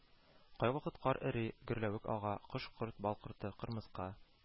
Кайвакыт, кар эри, гөрлəвек ага, кош-корт, бал корты, кырмыска,